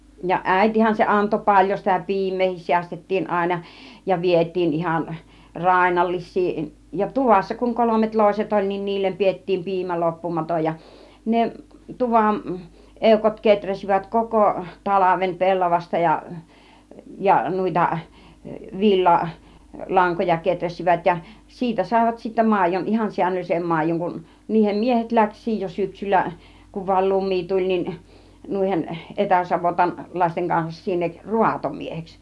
ja äitihän se antoi paljon sitä piimääkin säästettiin aina ja vietiin ihan rainnallisia ja tuvassa kun kolmet loiset oli niin niille pidettiin piimä loppumaton ja ne tuvan eukot kehräsivät koko talven pellavasta ja ja noita - villalankoja kehräsivät ja siitä saivat sitten maidon ihan säännöllisen maidon kun niiden miehet lähti jo syksyllä kun vain lumi tuli niin noiden - etäsavottalaisten kanssa sinne raatomieheksi